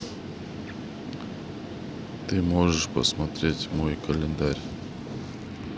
ты можешь посмотреть мой календарь